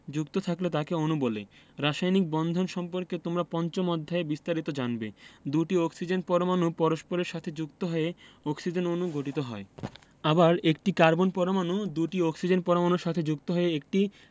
যুক্ত থাকলে তাকে অণু বলে রাসায়নিক বন্ধন সম্পর্কে তোমরা পঞ্চম অধ্যায়ে বিস্তারিত জানবে দুটি অক্সিজেন পরমাণু পরস্পরের সাথে যুক্ত হয়ে অক্সিজেন অণু গঠিত হয় আবার একটি কার্বন পরমাণু দুটি অক্সিজেন পরমাণুর সাথে যুক্ত হয়ে একটি